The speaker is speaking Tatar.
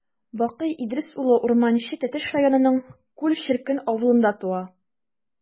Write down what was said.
Бакый Идрис улы Урманче Тәтеш районының Күл черкен авылында туа.